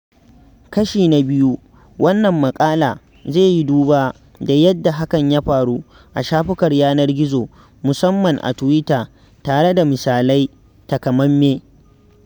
Kashi na II na wannan maƙala zai yi duba da yadda hakan ya faru a shafukan yanar gizo, musamman a tuwita, tare da misalai takamaimai.